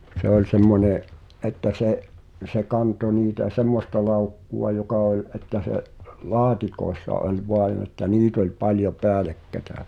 se oli semmoinen että se se kantoi niitä semmoista laukkua joka oli että se laatikoissa oli vain että niitä oli paljon päällekkäin